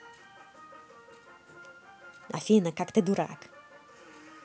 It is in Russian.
афина как ты дурак